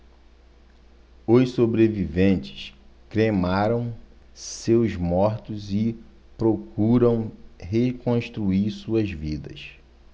os sobreviventes cremaram seus mortos e procuram reconstruir suas vidas